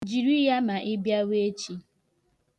Jiri ya ma ị bịawa echi